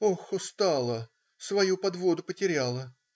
"Ох, устала, свою подводу потеряла".